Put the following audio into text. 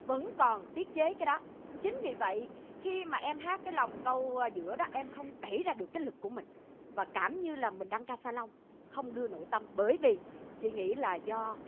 vẫn còn tiết chế cái đó chính vì vậy khi mà em hát cái lòng câu giữa đó em không đẩy ra được cái lực của mình và cảm như là mình đăng ca sa lông không đưa nội tâm bởi vì chị nghĩ là do